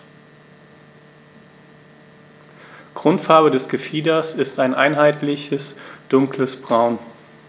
Grundfarbe des Gefieders ist ein einheitliches dunkles Braun.